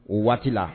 O waati la